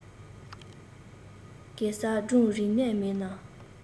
གེ སར སྒྲུང རིག གནས མིན ནམ